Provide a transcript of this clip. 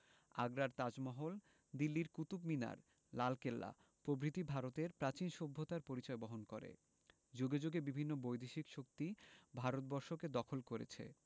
আগ্রার তাজমহল দিল্লির কুতুব মিনার লালকেল্লা প্রভৃতি ভারতের প্রাচীন সভ্যতার পরিচয় বহন করেযুগে যুগে বিভিন্ন বৈদেশিক শক্তি ভারতবর্ষকে দখল করেছে